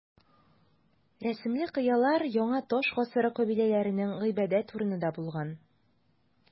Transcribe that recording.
Рәсемле кыялар яңа таш гасыры кабиләләренең гыйбадәт урыны да булган.